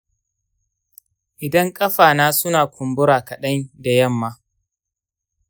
idan kafa na suna kumbura kaɗan da yamma.